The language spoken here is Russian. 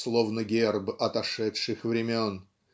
словно герб отошедших времен"